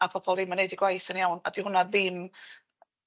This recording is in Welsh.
a pobol ddim yn neud 'u gwaith yn iawn, a 'di hwnna ddim